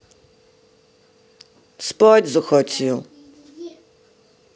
спать захотел